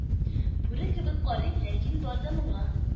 Бүре кебек карый ләкин бар да моңа: